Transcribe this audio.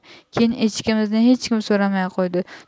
keyin echkimizni hech kim so'ramay qo'ydi